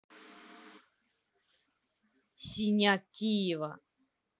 синяк киева